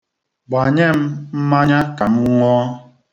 Gbanye m mmanya ka m ṅụọ.